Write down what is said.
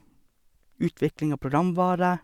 Utvikling av programvare.